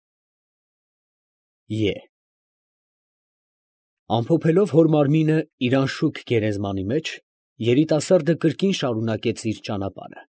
Ե Ամփոփելով հոր մարմինը իր անշուք գերեզմանի մեջ, երիտասարդը կրկին շարունակեց իր ճանապարհը։